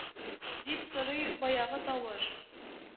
- дип сорый баягы тавыш